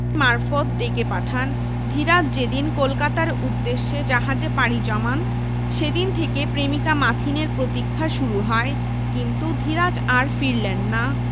মারফত ডেকে পাঠান ধীরাজ যেদিন কলকাতার উদ্দেশ্যে জাহাজে পাড়ি জমান সেদিন থেকে প্রেমিকা মাথিনের প্রতীক্ষা শুরু হয় কিন্তু ধীরাজ আর ফিরলেন না